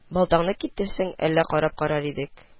Балтаңны китерсәң, әллә карап карар идек